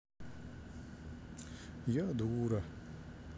я дура